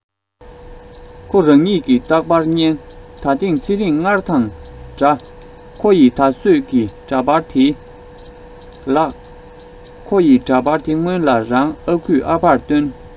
ཁོ རང ཉིད ཀྱི རྟག པར བརྙན ད ཐེངས ཚེ རིང སྔར དང འདྲ ཁོ ཡི ད གཟོད ཀྱི འདྲ པར དེའི ལག ཁོ ཡི འདྲ པར དེ སྔོན ལ རང ཨ ཁུས ཨ ཕར སྟོན